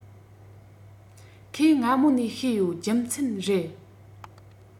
ཁོས སྔ མོ ནས ཤེས ཡོད རྒྱུ མཚན རེད